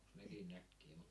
onkos nekin näkkejä